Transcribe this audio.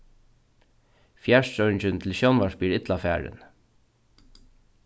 fjarstýringin til sjónvarpið er illa farin